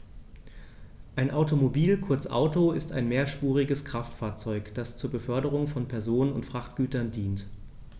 Ein Automobil, kurz Auto, ist ein mehrspuriges Kraftfahrzeug, das zur Beförderung von Personen und Frachtgütern dient.